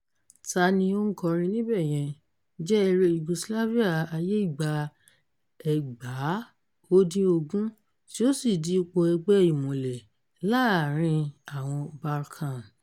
"Ta ni ó ń kọrin níbẹ̀ yẹn?" jẹ́ eré Yugoslavia ayé ìgbà 1980 tí ó sì di ipò ẹgbẹ́-ìmùlẹ̀ láàárín àwọn Balkan.